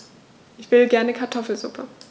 Ich will gerne Kartoffelsuppe.